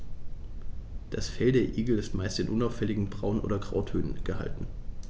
Das Fell der Igel ist meist in unauffälligen Braun- oder Grautönen gehalten.